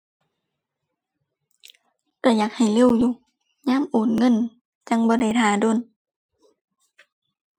ก็อยากให้เร็วอยู่ ยามโอนเงิน จั่งบ่ได้ท่าโดน ⁠